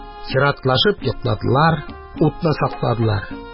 Чиратлашып йокладылар, утны сакладылар.